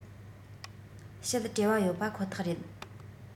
བཤད བྲེལ བ ཡོད པ ཁོ ཐག རེད